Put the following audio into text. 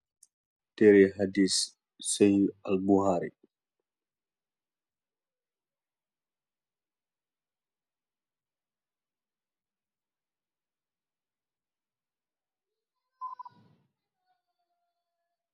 Tere xadis sanu albuhary.